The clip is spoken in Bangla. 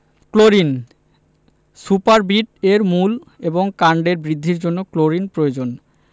ক্লোরিন সুপারবিট এর মূল এবং কাণ্ডের বৃদ্ধির জন্য ক্লোরিন প্রয়োজন